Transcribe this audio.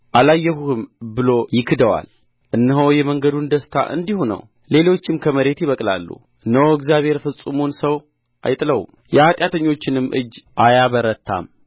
አላየሁህም ብሎ ይክደዋል እነሆ የመንገዱ ደስታ እንዲህ ነው ሌሎችም ከመሬት ይበቅላሉ እነሆ እግዚአብሔር ፍጹሙን ሰው አይጥለውም የኃጢአተኞችንም እጅ አያበረታም